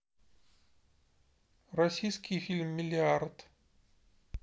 российский фильм миллиард